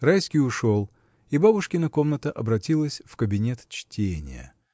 Райский ушел, и бабушкина комната обратилась в кабинет чтения.